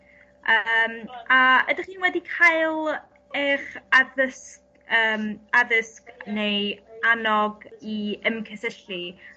Yym a ydych chi wedi cael eich addysg yym addysg neu annog i ymcysylltu ar